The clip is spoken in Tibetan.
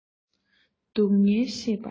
སྡུག བསྔལ ཤེས པར བྱ